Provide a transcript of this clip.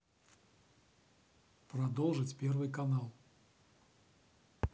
продолжить первый канал